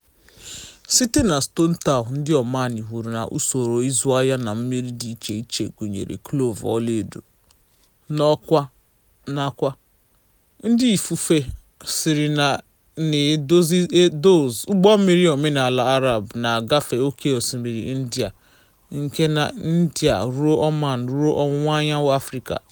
Site na Stone Town, ndị eze Omani hụrụ maka usoro ịzụ ahịa na mmiri dị iche iche, gụnyere klovu, ọlaedo, na ákwà, nke ifufe siri ike na-edozi dhows — ụgbọmmiri omenaala Arab — na-agafe oke osimmiri India, site na India ruo Oman ruo Ọwụwa Anyanwụ Afịrịka.